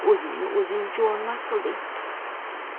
o'zingni o'zing juvonmarg qilding